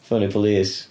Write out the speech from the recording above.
Ffonio'r police.